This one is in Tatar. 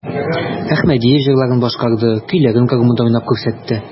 Әхмәдиев җырларын башкарды, көйләрен гармунда уйнап күрсәтте.